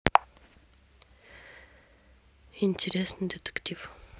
интересный детектив